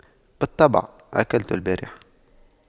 بالطبع أكلت البارحة